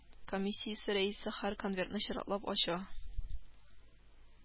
Комиссиясе рәисе һәр конвертны чиратлап ача